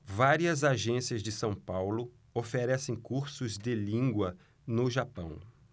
várias agências de são paulo oferecem cursos de língua no japão